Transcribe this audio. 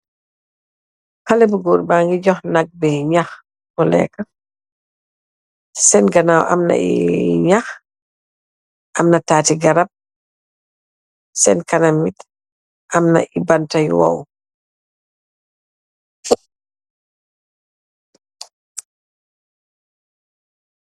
Xalen bu goor bagi joh naak bi nahh mu leka sen ganaw amna ey nahh amna tati garab sen kana eit amna ey banta yu woow.